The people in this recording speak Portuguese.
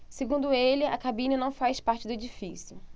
segundo ele a cabine não faz parte do edifício